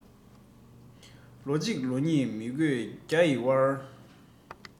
ལོ གཅིག ལོ གཉིས མི དགོས བརྒྱ ཡི བར